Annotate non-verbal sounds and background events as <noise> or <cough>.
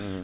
<hesitation> <hesitation>